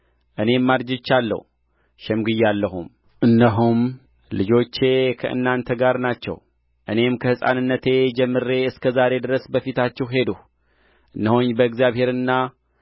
እኔም አርጅቻለሁ ሸምግያለሁም እነሆም ልጆቼ ከእናንተ ጋር ናቸው እኔም ከሕፃንነቴ ጀምሬ እስከ ዛሬ ድረስ በፊታችሁ ሄድሁ እነሆኝ በእግዚአብሔርና